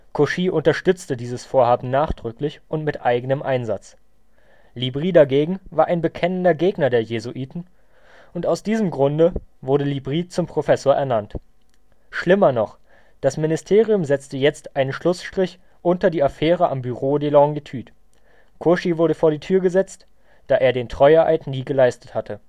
Cauchy unterstützte dieses Vorhaben nachdrücklich und mit eigenem Einsatz. Libri dagegen war ein bekennender Gegner der Jesuiten, und aus diesem Grund wurde Libri zum Professor ernannt. Schlimmer noch, das Ministerium setzte jetzt einen Schlussstrich unter die Affäre am Bureau des Longitudes: Cauchy wurde vor die Tür gesetzt, da er den Treueeid nie geleistet hatte